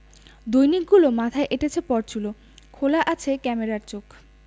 দৈনিকগুলো মাথায় এঁটেছে পরচুলো খোলা আছে ক্যামেরার চোখ